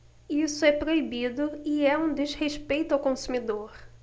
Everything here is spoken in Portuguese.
isso é proibido e é um desrespeito ao consumidor